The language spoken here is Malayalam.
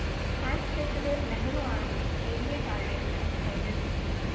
ഹാക്ക് ചെയ്തത് നെഹ്റു ആണെന്ന് എലിയട്ട് ആൾഡേഴ്സൺ പരിഹസിച്ചിരുന്നു